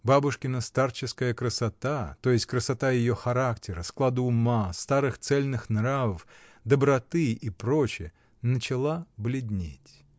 Бабушкина старческая красота, то есть красота ее характера, склада ума, старых цельных нравов, доброты и проч. , начала бледнеть.